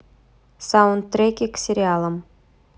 саундтреки к сериалам